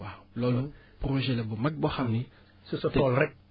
waaw loolu projet la bu mag boo xam ni si sa tool rekk